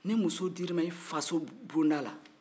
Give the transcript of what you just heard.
ni muso dira i ma i fa so bon da la